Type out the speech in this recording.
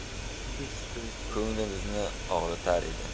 ko'nglimizni og'ritar edi